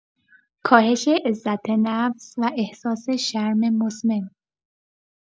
کاهش عزت‌نفس و احساس شرم مزمن